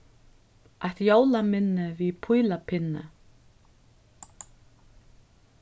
eitt jólaminni við pílapinni